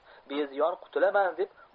beziyon qutulaman deb